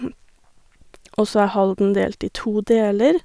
Og så er Halden delt i to deler.